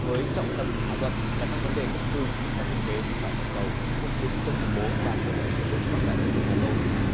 với trọng tâm thảo luận là các vấn đề nhập cư hợp tác kinh tế thương mại toàn cầu cuộc chiến chống khủng bố và tổ chức hiệp ước bắc đại tây dương na tô